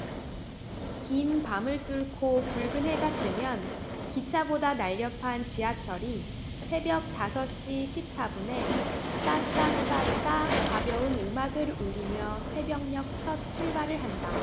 긴 밤을 뚫고 붉은 해가 뜨면 기차보다 날렵한 지하철이 새벽 다섯시 십사분에 따따따따 가벼운 음악을 울리며 새벽녘 첫출발을 한다